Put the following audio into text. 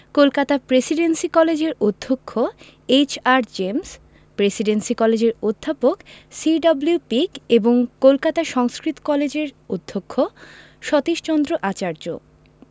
Kolkata Presidency কলেজের অধ্যক্ষ H R James Presidency কলেজের অধ্যাপক সি.ডব্লিউ পিক এবং কলকাতা সংস্কৃত কলেজের অধ্যক্ষ সতীশচন্দ্র আচার্য